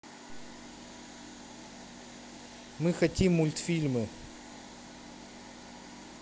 мы хотим мультфильмы